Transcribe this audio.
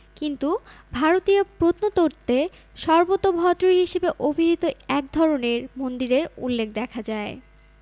কিন্তু ভারতীয় প্রত্নতত্ত্বে সর্বোতভদ্র হিসেবে অভিহিত এক ধরনের মন্দিরের উল্লেখ দেখা যায়